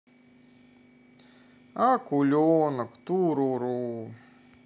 акуленок ту ру ру